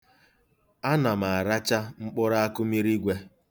Ana m aracha mkpụrụ akụmirigwe.